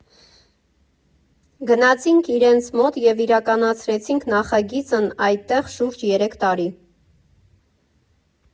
Գնացինք իրենց մոտ և իրականացրեցինք նախագիծն այդտեղ շուրջ երեք տարի։